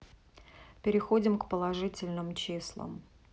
переходим к положительным числам